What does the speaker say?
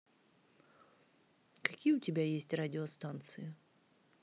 какие у тебя есть радиостанции